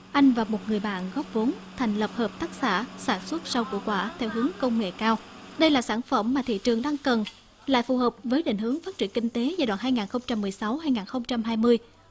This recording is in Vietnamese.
anh và một người bạn góp vốn thành lập hợp tác xã sản xuất rau củ quả theo hướng công nghệ cao đây là sản phẩm mà thị trường đang cần là phù hợp với định hướng phát triển kinh tế giai đoạn hai ngàn không trăm mười sáu hai ngàn không trăm hai mươi